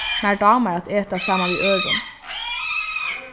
mær dámar at eta saman við øðrum